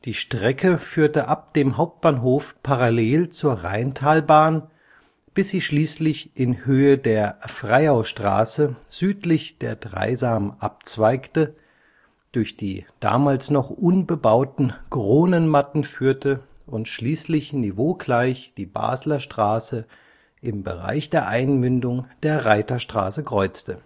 Strecke führte ab dem Hauptbahnhof parallel zur Rheintalbahn, bis sie schließlich in Höhe der Freiaustraße südlich der Dreisam abzweigte, durch die damals noch unbebauten Kronenmatten führte und schließlich niveaugleich die Basler Straße im Bereich der Einmündung der Reiterstraße kreuzte